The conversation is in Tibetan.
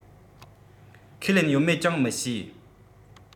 ཁས ལེན ཡོད མེད ཀྱང མི ཤེས